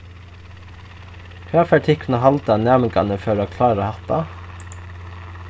hvat fær tykkum at halda at næmingarnir fóru at klára hatta